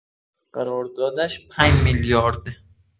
قراردش ۵ میلیارده